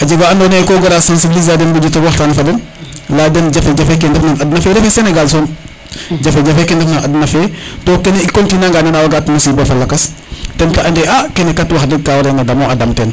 a jega wa ando naye ko gara sensibliser aden bo ƴut rek waxtan fa den leya den jafe jafe ke ndef na adna fe refe Senegal som jafe jafe ke ndef na adna fe to kene i continuer anga nene a waga at musiba fa lakas ten te ande a kene kat wax degg ka warena damo a dam ten